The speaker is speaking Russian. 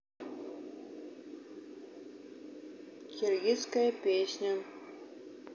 киргизская песня